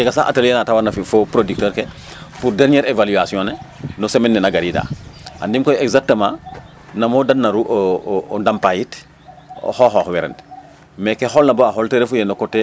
a jega sax alelier na te warna fi' fo producteur ke pour derniere évoluation no semaine ne na gariida andiim koy exactement nam o da naru o ndampayit xooxoox we ren mais ke xoolna baa xool te refu ye no coté a